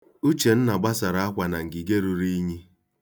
Uchenna gbasara akwa na ngige ruru unyi.